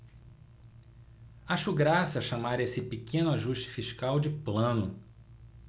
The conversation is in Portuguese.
acho graça chamar esse pequeno ajuste fiscal de plano